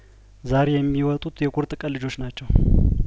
ዛሬ የሚወጡት የቁርጥ ቀን ልጆቹ ናቸው